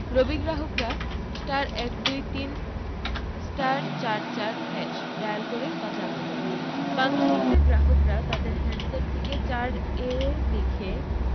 রবির গ্রাহকরা *১২৩*৪৪# ডায়াল করে তা জানতে পারবেন বাংলালিংকের গ্রাহকরা তাদের হ্যান্ডসেট থেকে ৪ এ লিখে